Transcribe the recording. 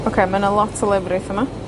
Ocê, ma' 'na lot o lefrith yma.